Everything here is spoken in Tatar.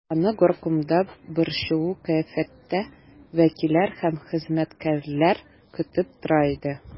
Аны горкомда борчулы кыяфәттә вәкилләр һәм хезмәткәрләр көтеп тора иде.